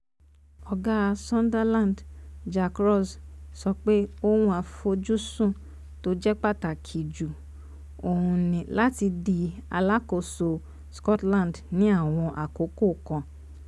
Ọ̀gá Sunderland, Jack Ross sọ pé “ohun àfojúsùn tó ṣe pàtàkì jú” òun ní láti di alákòóso Scotland ni àwọn àkókò kan.